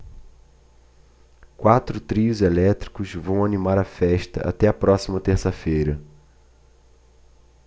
quatro trios elétricos vão animar a festa até a próxima terça-feira